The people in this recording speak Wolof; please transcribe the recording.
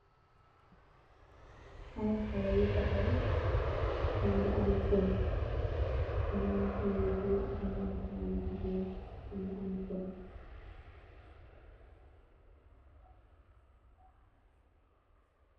Ayyi haleh yuu tahawwu, yuu gai ameh pono nyaari haleh you goor ak nyaari haleh yuu jigeen yuu ameh pono